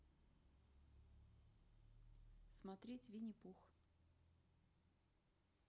смотреть винни пух